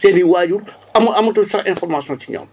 seen i waajur ama amatuñ sax information ci ñoom